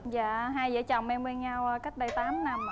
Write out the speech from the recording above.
dạ hai vợ chồng em quen nhau là cách đây tám năm ạ